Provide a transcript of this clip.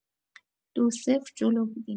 دو-صفر جلو بودیم